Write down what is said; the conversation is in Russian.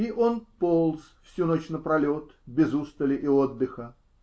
Ион полз всю ночь напролет, без устали и отдыха.